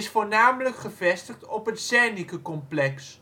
voornamelijk gevestigd op het Zernikecomplex